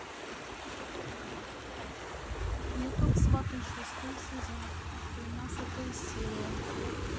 ютуб сваты шестой сезон тринадцатая серия